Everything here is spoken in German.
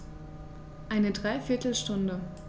Eine dreiviertel Stunde